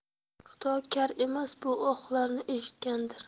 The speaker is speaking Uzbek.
xudo kar emas bu ohlarni eshitgandir